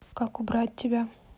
как убрать тебя